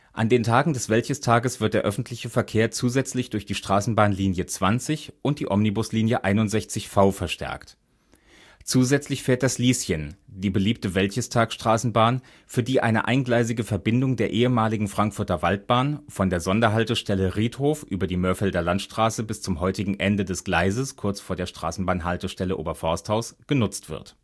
An den Tagen des Wäldchestages wird der öffentliche Verkehr zusätzlich durch die Straßenbahn-Linie 20 (Hauptbahnhof – Oberforsthaus (Wäldchestag) – Stadion) und die Omnibus-Linie 61V (Südbahnhof – Oberforsthaus (Wäldchestag) – Flughafen) verstärkt. Zusätzlich fährt das „ Lieschen “, die beliebte Wäldchestag-Straßenbahn, für die eine eingleisige Verbindung der ehemaligen Frankfurter Waldbahn, von der Sonderhaltestelle „ Riedhof “über die Mörfelder Landstraße bis zum heutigen Ende des Gleises kurz vor der Straßenbahnhaltestelle „ Oberforsthaus “, genutzt wird